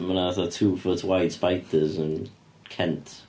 Ma' 'na fatha two foot wide spiders yn Kent.